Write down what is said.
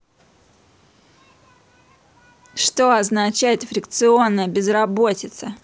что означает фрикционная безработица